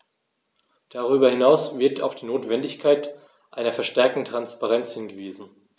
Darüber hinaus wird auf die Notwendigkeit einer verstärkten Transparenz hingewiesen.